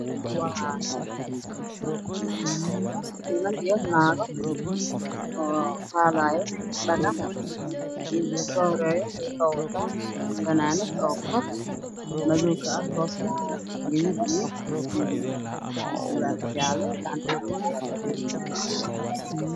Waxaa ii muuqday saddex wiil iyo saddex gabdhood oo guraya qashin iyo dhagaxaan meesha yaalo